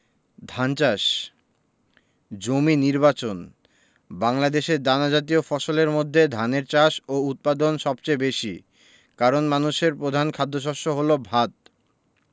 ধান চাষ জমি নির্বাচনঃ বাংলাদেশে দানাজাতীয় ফসলের মধ্যে ধানের চাষ ও উৎপাদন সবচেয়ে বেশি কারন মানুষের প্রধান খাদ্যশস্য হলো ভাত